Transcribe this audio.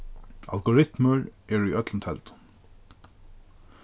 algoritmur eru í øllum teldum